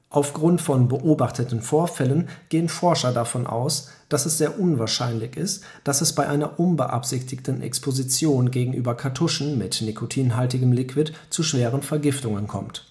Aufgrund von beobachteten Vorfällen gehen Forscher davon aus, dass es sehr unwahrscheinlich ist, dass es bei einer unbeabsichtigten Exposition gegenüber Kartuschen mit nikotinhaltigem Liquid zu schweren Vergiftungen kommt